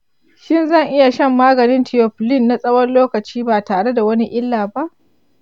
shin zan iya shan maganin theophylline na tsawon lokaci ba tare da wani illa ba.